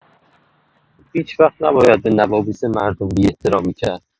هیچ‌وقت نباید به نوامیس مردم بی‌احترامی کرد.